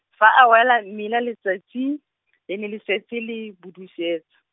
fa a wela mmila letsatsi, le ne le setse le budusetsa.